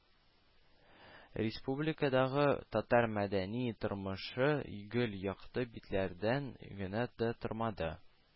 Республикадагы татар мәдәни тормышы гел якты битләрдән генә дә тормады